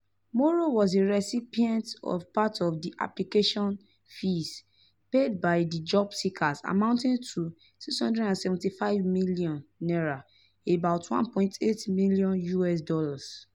Moro was a recipient of part of the application fees paid by the job-seekers amounting to 675 million naira [about $1.8 million USD].